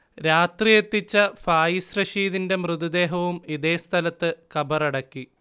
രാത്രി എത്തിച്ച ഫായിസ് റഷീദിന്റെ മൃതദേഹവും ഇതേസ്ഥലത്ത് കബറടക്കി